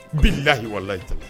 Bi h walalahitɛ